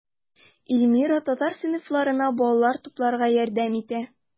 Эльмира татар сыйныфларына балалар тупларга ярдәм итә.